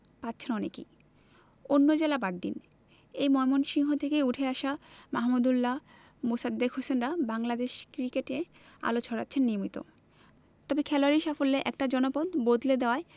পাচ্ছেন অনেকেই অন্য জেলা বাদ দিন এ ময়মনসিংহ থেকেই উঠে আসা মাহমুদউল্লাহ মোসাদ্দেক হোসেনরা বাংলাদেশ ক্রিকেটে আলো ছড়াচ্ছেন নিয়মিত তবে খেলোয়াড়ি সাফল্যে একটা জনপদ বদলে দেওয়ায়